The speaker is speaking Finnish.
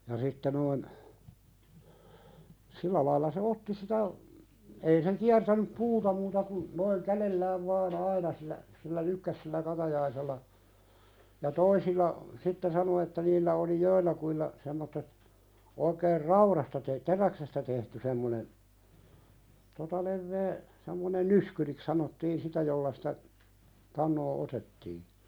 ja sitten noin sillä lailla se otti sitä ei se kiertänyt puuta muuta kuin noin kädellään vain aina sillä sillä lykkäsi sillä katajaisella ja toisilla sitten sanoi että niillä oli joillakin semmoiset oikein raudasta - teräksestä tehty semmoinen tuota leveä semmoinen nyskyriksi sanottiin sitä jolla sitä tanoa otettiin